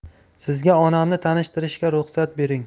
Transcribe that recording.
sizga onamni tanishtirishga ruxsat bering